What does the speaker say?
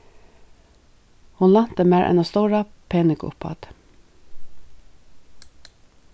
hon lænti mær eina stóra peningaupphædd